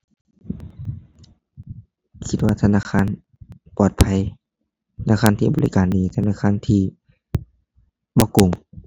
คิดว่าธนาคาร ปลอดภัย ธนาคารที่บริการดี ธนาคารที่บ่โกง